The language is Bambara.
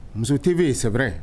Muso TV c'est vrai.